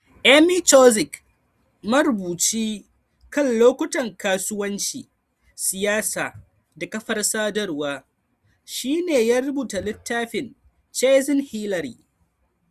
Amy Chozick, marubuci kan lokutan kasuwanci, siyasa da kafar sadarwa, shi ne ya rubuta littafin “Chasing Hillary.”